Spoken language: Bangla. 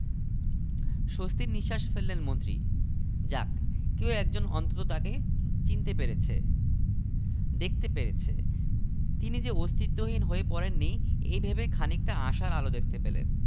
স্বস্তির নিশ্বাস ফেললেন মন্ত্রী যাক কেউ একজন অন্তত তাঁকে চিনতে পেরেছে দেখতে পেরেছে তিনি যে অস্তিত্বহীন হয়ে পড়েননি এই ভেবে খানিকটা আশার আলো দেখতে পেলেন